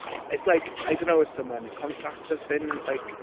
It's like, I don't know if someone's contracts have been like...